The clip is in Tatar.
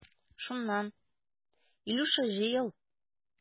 Шуннан, Илюша, җыел.